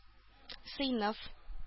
Сыйныф